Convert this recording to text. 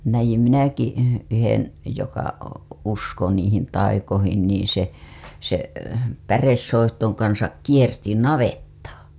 näin minäkin yhden joka uskoi niihin taikoihin niin se se päresoihtujen kanssa kiersi navettaa